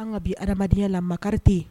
An ka bi hadamadenya la makari tɛ yen